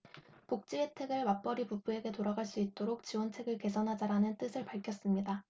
복지혜택을 맞벌이 부부에게 돌아갈 수 있도록 지원책을 개선하자 라는 뜻을 밝혔습니다